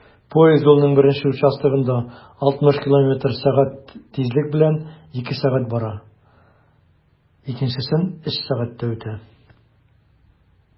Поезд юлның беренче участогында 60 км/сәг тизлек белән 2 сәг. бара, икенчесен 3 сәгатьтә үтә.